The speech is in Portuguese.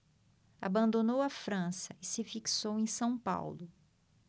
abandonou a frança e se fixou em são paulo